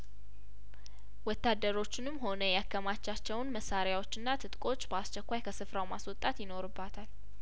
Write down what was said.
ወታደሮቹንም ሆነ ያከማቻቸውን መሳሪያዎችና ትጥቆች በአስቸኳይ ከስፍራው ማስወጣት ይኖርባታል